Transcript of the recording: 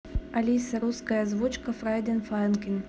алиса русская озвучка фрайдей фанкин